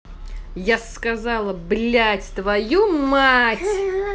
я сказала блядь твою мать